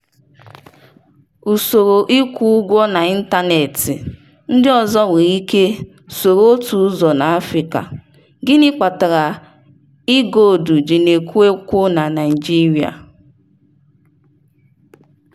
Usoro ịkwụ ụgwọ n'ịntanetị ndị ọzọ nwere ike soro otu ụzọ n'Afrịka: Gịnị kpatara e-goldu ji na-ekwo ekwo na Nigeria?